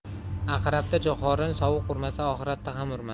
aqrabda jo'xorini sovuq urmasa oxiratda ham urmas